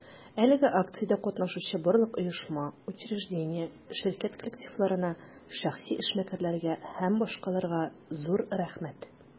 Әлеге акциядә катнашучы барлык оешма, учреждение, ширкәт коллективларына, шәхси эшмәкәрләргә һ.б. зур рәхмәт!